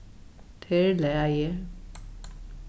tað er í lagi